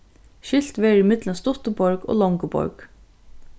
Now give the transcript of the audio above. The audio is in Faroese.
skilt verður í millum stuttu borg og longu borg